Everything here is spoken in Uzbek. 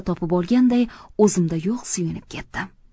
topib olganday o'zimda yo'q suyunib ketdim